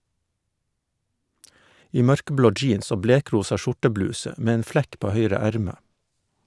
I mørkeblå jeans og blekrosa skjortebluse, med en flekk på høyre erme.